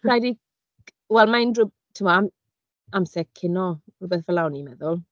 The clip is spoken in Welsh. Rhaid fi... Wel, mae unrhyw... Tibod am- amser cino rywbeth fel 'na o'n i'n meddwl.